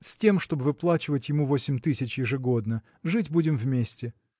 с тем чтоб выплачивать ему восемь тысяч ежегодно. Жить будем вместе.